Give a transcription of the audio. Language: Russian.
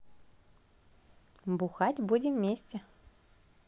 бухать будем вместе